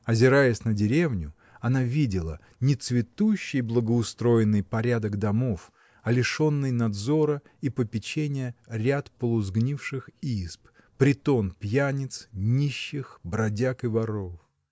Озираясь на деревню, она видела — не цветущий, благоустроенный порядок домов, а лишенный надзора и попечения ряд полусгнивших изб — притон пьяниц, нищих, бродяг и воров.